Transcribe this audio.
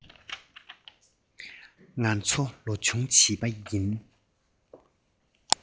ང ཚོ ལོ ཆུང བྱིས པ ཡིན